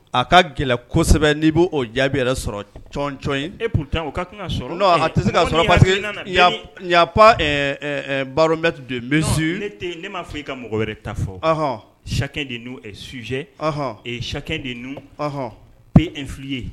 A ka gɛlɛ kosɛbɛ n'i b'o jaabi yɛrɛ sɔrɔc in e se baara don bɛ su ne ne m'a fɔ' i ka mɔgɔ wɛrɛ ta fɔhɔn sa de n ɛ sujɛhɔn sa de nhɔn p pe nfi ye